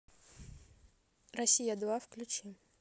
россия два включи